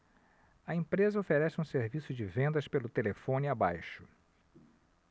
a empresa oferece um serviço de vendas pelo telefone abaixo